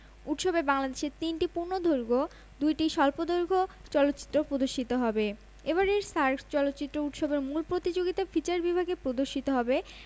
উৎসবে বাংলাদেশের ৩টি পূর্ণদৈর্ঘ্য ও ২টি স্বল্পদৈর্ঘ্য চলচ্চিত্র প্রদর্শিত হবে এবারের সার্ক চলচ্চিত্র উৎসবের মূল প্রতিযোগিতা ফিচার বিভাগে প্রদর্শিত হবে